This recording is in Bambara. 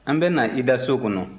an bɛna i da so kɔnɔ